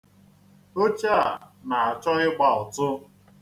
Oche a na-achọ ịgba ụtụ.